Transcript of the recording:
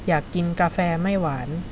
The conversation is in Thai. อยากกินกาแฟไม่หวาน